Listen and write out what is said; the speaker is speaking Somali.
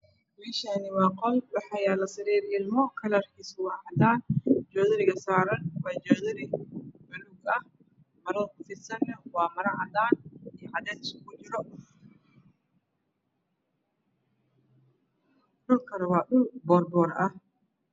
Meeshani waa qol waxaa yaala sariir ilmo kalarkiisu waa cadaan joodariga saaran waa joodari balug ah marada ku tiirsana waa maro cadaan ah cadays isugu jiro dhulkana waa dhul boorboor ah